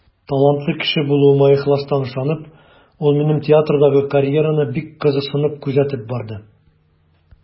Талантлы кеше булуыма ихластан ышанып, ул минем театрдагы карьераны бик кызыксынып күзәтеп барды.